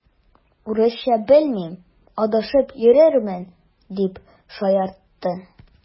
Урысча белмим, адашып йөрермен, дип шаяртты.